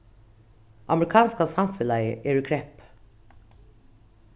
amerikanska samfelagið er í kreppu